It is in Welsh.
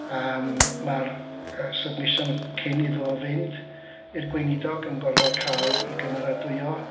Yym ma'r yy submission cyn iddo fo fynd i'r gweinidog yn gorfod cael ei gymeradwyo.